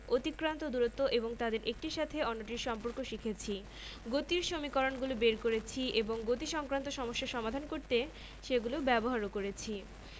জড়তার বিষয়টি যদি শুধু একটা সংজ্ঞা হতো তাহলে এটাকে এত গুরুত্ব দিয়ে শেখানো হতো না আসলে এটা পদার্থবিজ্ঞানের দৃষ্টিকোণ থেকে খুব গুরুত্বপূর্ণ একটা বিষয়